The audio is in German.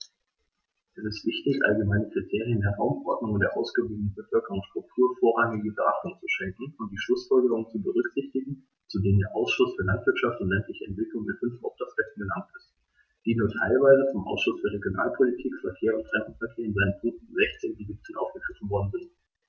Es ist wichtig, allgemeinen Kriterien der Raumordnung und der ausgewogenen Bevölkerungsstruktur vorrangige Beachtung zu schenken und die Schlußfolgerungen zu berücksichtigen, zu denen der Ausschuss für Landwirtschaft und ländliche Entwicklung in fünf Hauptaspekten gelangt ist, die nur teilweise vom Ausschuss für Regionalpolitik, Verkehr und Fremdenverkehr in seinen Punkten 16 und 17 aufgegriffen worden sind.